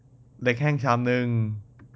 เล็กแห้งชามนึง